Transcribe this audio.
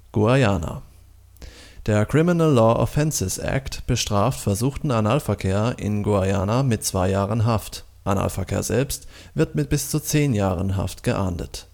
Guyana Der Criminal Law Offences Act bestraft versuchten Analverkehr in Guyana mit zwei Jahren Haft, Analverkehr selbst wird mit bis zu zehn Jahren Haft geahndet